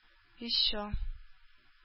Ещё